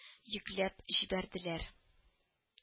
Йөкләп җибәрделәр